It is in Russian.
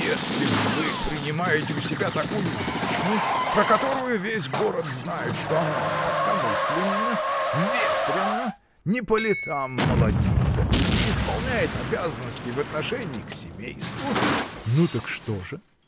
— Если вы принимаете у себя такую женщину, про которую весь город знает, что она легкомысленна, ветрена, не по летам молодится, не исполняет обязанностей в отношении к семейству. — Ну так что же?